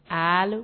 Aa